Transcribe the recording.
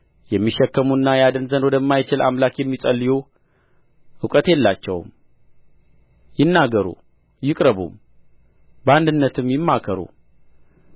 የሚሸከሙና ያድን ዘንድ ወደማይችል አምላክ የሚጸልዩ እውቀት የላቸውም ይናገሩ ይቅረቡም በአንድነትም ይማከሩ